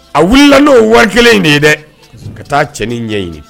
A wulila n'o wari kelen in de ye dɛ, ka taa cɛnin ɲɛɲini